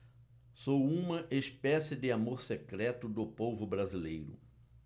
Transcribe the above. sou uma espécie de amor secreto do povo brasileiro